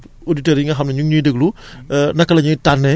ndax tànn bi mën ngaa baaxee auditeurs yi nga xam ne ñu ngi ñuy déglu